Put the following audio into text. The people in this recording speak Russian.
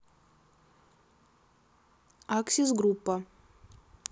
axis группа